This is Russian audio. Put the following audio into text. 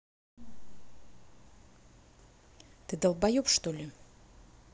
ты долбаеб что ли